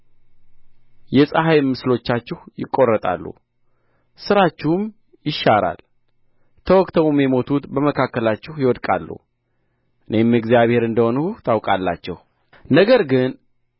የፀሐይም ምስሎቻችሁ ይቈረጣሉ ሥራችሁም ይሻራል ተወግተውም የሞቱት በመካከላችሁ ይወድቃሉ እኔም እግዚአብሔር እንደ ሆንሁ ታውቃላችሁ ነገር ግን